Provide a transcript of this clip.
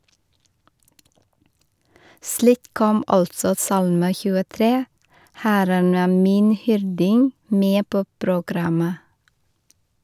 Slik kom altså salme 23, "Herren er min hyrding" med på programmet.